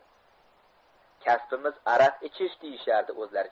kasbimiz aroq ichish deyishardi o'zlari